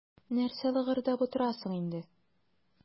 Нәрсә лыгырдап утырасың инде.